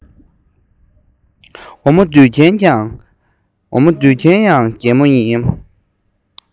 འོ མ ལྡུད མཁན ཡང རྒན མོ ཡིན